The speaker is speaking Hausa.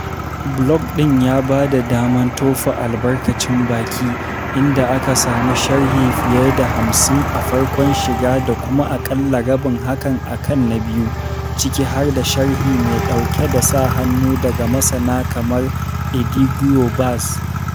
Blog ɗin ya bada daman tofa albarkacin baki, inda aka samu sharhi fiye da 50 a farkon shiga da kuma aƙalla rabin hakan akan na biyu, ciki har da sharhi mai ɗauke da sa hannu daga masana kamar Edígio Vaz [pt].